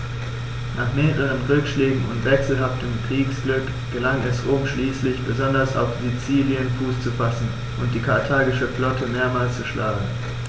Nach mehreren Rückschlägen und wechselhaftem Kriegsglück gelang es Rom schließlich, besonders auf Sizilien Fuß zu fassen und die karthagische Flotte mehrmals zu schlagen.